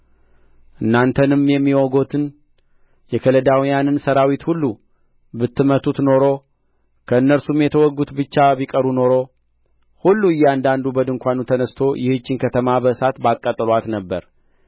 እናንተም የሚዋጉትን የከለዳውያንን ሠራዊት ሁሉ ብትመቱት ኖሮ ከእነርሱም የተወጉት ብቻ ቢቀሩ ኖሮ ሁሉ እያንዳንዱ በድንኳኑ ተነሥቶ ይህችን ከተማ በእሳት ባቃጠሉአት ነበር